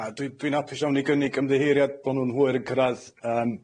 Na, dwi- dwi'n hapus iawn i gynnig ymddiheuriad bo' nw'n hwyr yn cyrradd, yym.